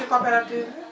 ci coopérative bi